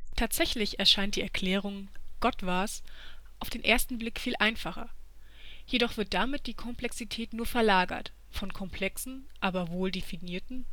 Tatsächlich erscheint die Erklärung „ Gott war 's “auf den ersten Blick viel einfacher. Jedoch wird damit die Komplexität nur verlagert, von komplexen, aber wohldefinierten